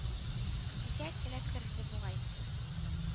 Бизгәк эләктерелде бугай,